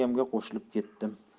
yangamga qo'shilib ketdim